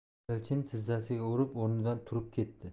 elchin tizzasiga urib o'rnidan turib ketdi